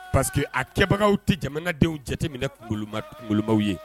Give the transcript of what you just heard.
Parce que a kɛbagaw tɛ jamanadenw jateminɛ kunkolomaw ye.